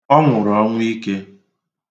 Ọ nwụrụ ọnwụ ike.